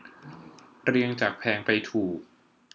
เรียงจากแพงไปถูก